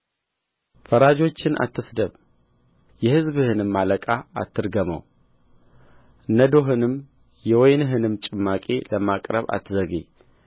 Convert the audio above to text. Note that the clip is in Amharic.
ፈራጆችን አትስደብ የሕዝብህንም አለቃ አትርገመው ነዶህንም የወይንህንም ጭማቂ ለማቅረብ አትዘግይ